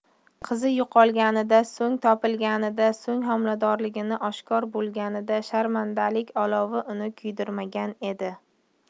qizi yo'qolganida so'ng topilganida so'ng homiladorligi oshkor bo'lganida sharmandalik olovi uni kuydirmagan edi